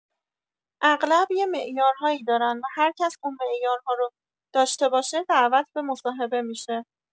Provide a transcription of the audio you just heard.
اغلب یه معیارهایی دارن و هرکس اون معیارها رو داشته باشه دعوت به مصاحبه می‌شه